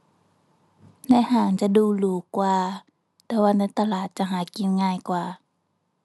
ในห้างจะดูหรูกว่า แต่ว่าในตลาดจะหากินง่ายกว่า